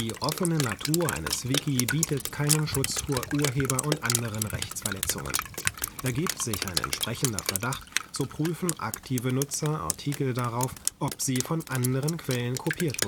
offene Natur eines Wiki bietet keinen Schutz vor Urheber - und anderen Rechtsverletzungen. Ergibt sich ein entsprechender Verdacht, so prüfen aktive Nutzer Artikel darauf, ob sie von anderen Quellen kopiert